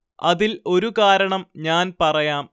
അതില്‍ ഒരു കാരണം ഞാന്‍ പറയാം